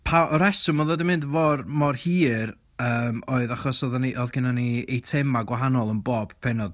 Pa- y rheswm oedd o 'di mynd for- mor hir yym oedd achos oeddan ni... oedd gynnon ni eitemau gwahanol yn bob pennod